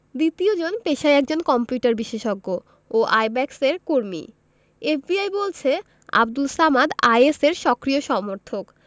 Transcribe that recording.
দ্বিতীয়জন পেশায় একজন কম্পিউটার বিশেষজ্ঞ ও আইব্যাকসের কর্মী এফবিআই বলছে আবদুল সামাদ আইএসের সক্রিয় সমর্থক